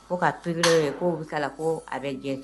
Ko ka pere ko'o bɛ taa ko a bɛ jɛ